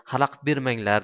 halaqit bermanglar